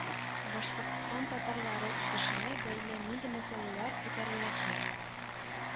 Башкортстан татарлары үсешенә бәйле нинди мәсьәләләр күтәреләчәк